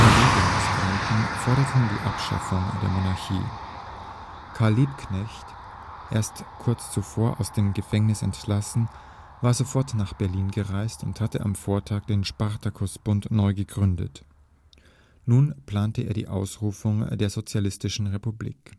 mehr Demonstranten forderten die Abschaffung der Monarchie. Karl Liebknecht, erst kurz zuvor aus dem Gefängnis entlassen, war sofort nach Berlin gereist und hatte am Vortag den Spartakusbund neu gegründet. Nun plante er die Ausrufung der sozialistischen Republik